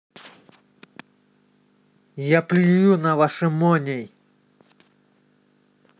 я плюю на ваши money